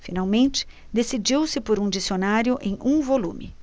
finalmente decidiu-se por um dicionário em um volume